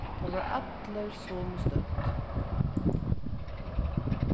teir vóru allir somu stødd